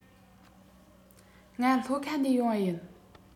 ང ལྷོ ཁ ནས ཡོང པ ཡིན